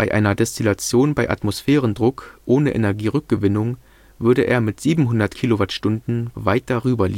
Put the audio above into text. einer Destillation bei Atmosphärendruck ohne Energierückgewinnung, würde er mit 700 Kilowattstunden weit darüber